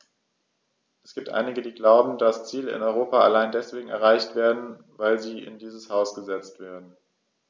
Es gibt einige, die glauben, dass Ziele in Europa allein deswegen erreicht werden, weil sie in diesem Haus gesetzt werden.